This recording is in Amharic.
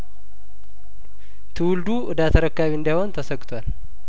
ትውልዱ እዳ ተረካቢ እንዳይሆን ተሰግቷል